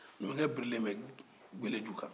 numukɛ birilen bɛ gelenju kan